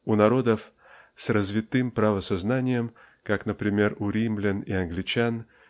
У народов с развитым правосознанием как например у римлян и англичан